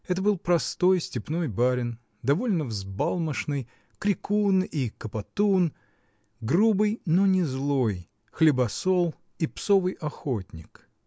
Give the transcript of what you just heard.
это был простой степной барин, довольно взбалмошный, крикун и копотун, грубый, но не злой, хлебосол и псовый охотник.